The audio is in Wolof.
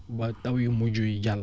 ba taw yu mujj yi jàll